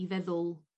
i feddwl